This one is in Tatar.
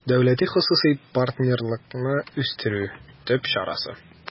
«дәүләти-хосусый партнерлыкны үстерү» төп чарасы